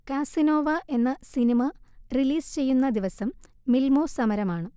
Casanova എന്ന cinema release ചെയ്യുന്ന ദിവസം മില്മാേ സമരമാണ്